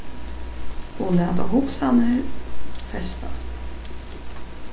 og lata hugsanir festast